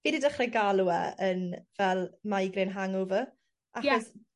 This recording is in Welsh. Fi 'di dechrau galw e yn fel migrain hangover. Achos... Ie.